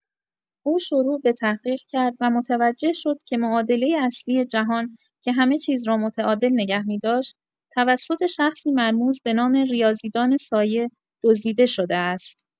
او شروع به تحقیق کرد و متوجه شد که معادلۀ اصلی جهان که همه‌چیز را متعادل نگه می‌داشت، توسط شخصی مرموز به‌نام «ریاضی‌دان سایه» دزدیده شده است.